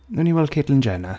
Wnawn ni weld Katelyn Jenner.